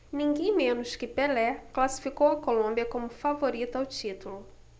ninguém menos que pelé classificou a colômbia como favorita ao título